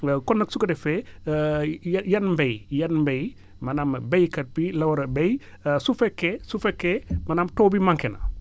kon nag su ko defee ya yan mbéy yan mbay maanaam baykat bi la war a bay su fekkee su fekkee maanaam taw bi manqué na